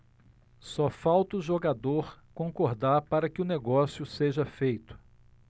só falta o jogador concordar para que o negócio seja feito